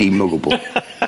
Dim o gwbwl.